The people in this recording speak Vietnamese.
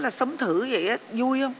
là sống thử vậy á vui hông